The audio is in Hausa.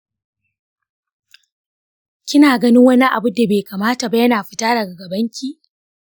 kina ganin wani abu da bai kamata ba yana fita daga gabanki?